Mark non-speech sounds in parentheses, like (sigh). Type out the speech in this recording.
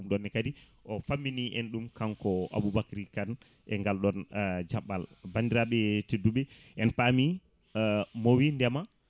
ɗum ɗonne kadi o fammini en ɗum kanko Aboubacry Kane e galɗon (hesitation) jaɓɓal bandiraɓe tedduɓe en paami (hesitation) mo wi ndeema